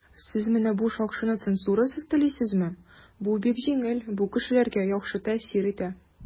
"сез менә бу шакшыны цензурасыз телисезме?" - бу бик җиңел, бу кешеләргә яхшы тәэсир итә.